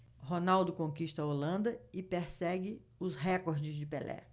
ronaldo conquista a holanda e persegue os recordes de pelé